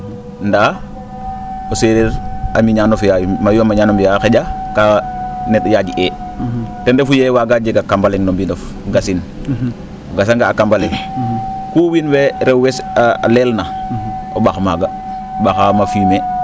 ndaa o seereer a miñaano fi'a mayu a mbiñano mbiya xa?a kaa yaajee ten refu yee waaga jega kamb a le? no mbindof gasin o gasanga a kamb ale ku wiin we rew a leelna o ?ax maaga ?axaa ma fumier